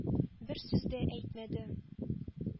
Бер сүз дә әйтмәде.